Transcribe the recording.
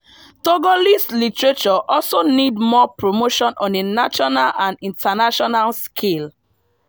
Togolese literature also need more promotion on a national and international scale.